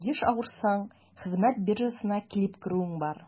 Еш авырсаң, хезмәт биржасына килеп керүең бар.